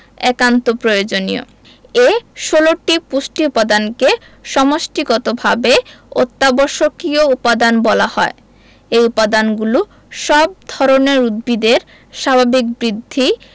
একান্ত প্রয়োজনীয় এ ১৬টি পুষ্টি উপাদানকে সমষ্টিগতভাবে অত্যাবশ্যকীয় উপাদান বলা হয় এই উপাদানগুলো সব ধরনের উদ্ভিদের স্বাভাবিক বৃদ্ধি